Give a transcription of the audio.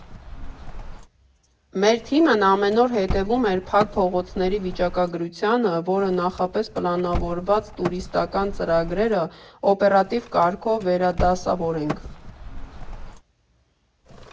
Մեր թիմն ամեն օր հետևում էր փակ փողոցների վիճակագրությանը, որ նախապես պլանավորված տուրիստական ծրագրերը օպերատիվ կարգով վերադասավորենք։